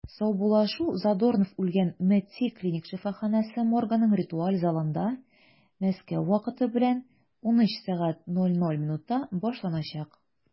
Саубуллашу Задорнов үлгән “МЕДСИ” клиник шифаханәсе моргының ритуаль залында 13:00 (мск) башланачак.